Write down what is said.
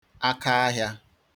akaahịā